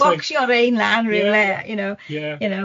Bocsio rein lan rywle, y you know?... Yeah... You know.